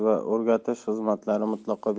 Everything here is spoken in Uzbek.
va o'rgatish xizmatlari mutlaqo bepul